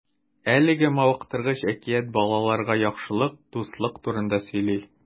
Әлеге мавыктыргыч әкият балаларга яхшылык, дуслык турында сөйли.